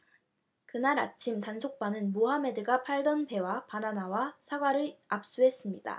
그날 아침 단속반은 모하메드가 팔던 배와 바나나와 사과를 압수했습니다